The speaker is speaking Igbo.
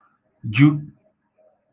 -ju